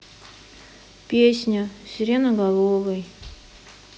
песня сиреноголовый